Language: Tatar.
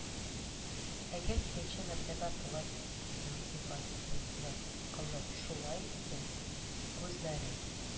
Әгәр икенче мәртәбә болай илтифатсызлык кылып, шулай итсәң, күзләрең